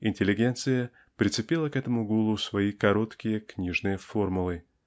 интеллигенция прицепила к этому гулу свои короткие книжные формулы.